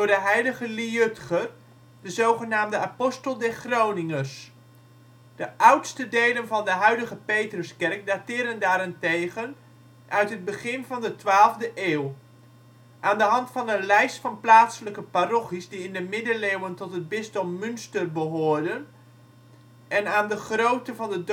heilige Liudger, de zogenaamde ' Apostel der Groningers. ' De oudste delen van de huidige Petruskerk dateren daarentegen uit het begin van de 12e eeuw. Aan de hand van een lijst van plaatselijke parochies die in de middeleeuwen tot het bisdom Munster behoorden, en aan de grootte van de